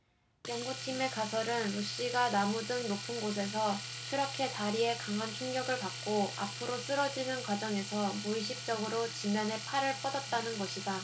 연구팀의 가설은 루시가 나무 등 높은 곳에서 추락해 다리에 강한 충격을 받고 앞으로 쓰러지는 과정에서 무의식적으로 지면에 팔을 뻗었다는 것이다